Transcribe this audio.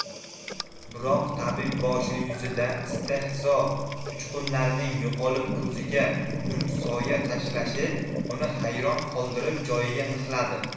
biroq tabibboshi yuzida istehzo uchqunlarining yo'qolib ko'ziga mung soya tashlashi uni hayron qoldirib joyiga mixladi